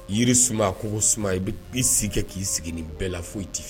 Jiri suma kogo suma i b'i si kɛ k'i sigi nin bɛɛ la foyi t'i